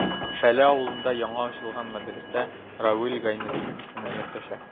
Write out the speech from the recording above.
Шәле авылында яңа ачылган мәдрәсә Равил Гайнетдин исемен йөртәчәк.